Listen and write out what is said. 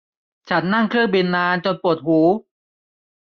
ฉันนั่งเครื่องบินนานจนปวดหู